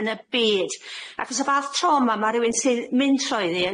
yn y byd achos y fath troma ma' rywun sy'n mynd troeddi